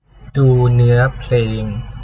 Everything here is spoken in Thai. ดูเนื้อเพลง